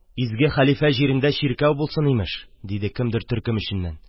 Изге хәлифә җирендә чиркәү булсын, имеш! – диде кемдер төркем эченнән.